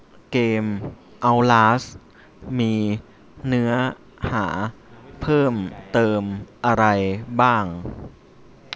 เกมเอ้าลาสมีเนื้อหาเพิ่มเติมอะไรบ้าง